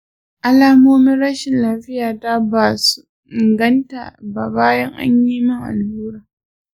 alamomin rashin lafiyata ba su inganta ba bayan an yi mini allura.